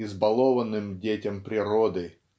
избалованным детям природы